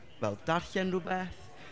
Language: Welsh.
fel darllen rywbeth.